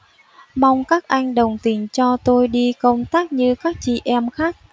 mong các anh đồng tình cho tôi đi công tác như các chị em khác